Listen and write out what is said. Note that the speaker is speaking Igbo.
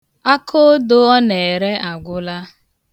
Akoodo ọ na-ere agwụla.